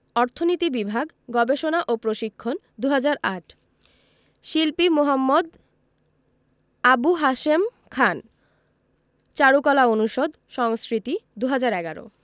অর্থনীতি বিভাগ গবেষণা ও প্রশিক্ষণ ২০০৮ শিল্পী মু. আবুল হাশেম খান চারুকলা অনুষদ সংস্কৃতি ২০১১